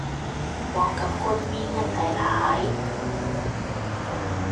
เหมาะกับคนมีเงินหลายหลาย